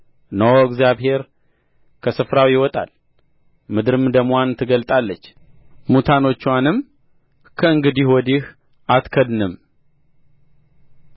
እነሆ እግዚአብሔር ከስፍራው ይወጣል ምድርም ደምዋን ትገልጣለች ሙታኖችዋንም ከእንግዲህ ወዲህ አትከድንም